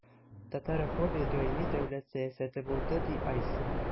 Татарофобия даими дәүләт сәясәте булды, – ди Айсин.